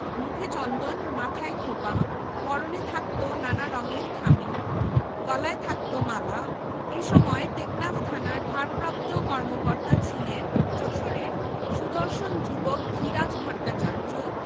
মুখে চন্দন মাথায় খোঁপা পরনে থাকত নানা রঙের থামি গলায় থাকত মালা এ সময়ে টেকনাফ থানার ভারপ্রাপ্ত কর্মকর্তা ছিলেন যশোরের সুদর্শন যুবক ধীরাজ ভট্টাচার্য